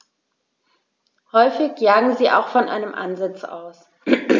Häufig jagen sie auch von einem Ansitz aus.